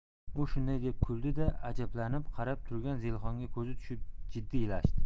u shunday deb kuldi da ajablanib qarab turgan zelixonga ko'zi tushib jiddiylashdi